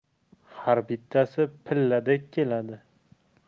har bittasi pilladek keladi